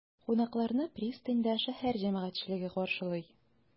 Кунакларны пристаньда шәһәр җәмәгатьчелеге каршылый.